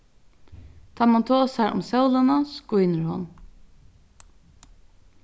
tá mann tosar um sólina skínur hon